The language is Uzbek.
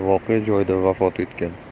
voqea joyida vafot etgan